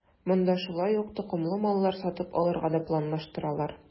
Монда шулай ук токымлы маллар сатып алырга да планлаштыралар.